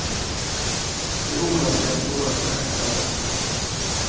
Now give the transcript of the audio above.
tað er umráðandi at duga at taka sær av løttum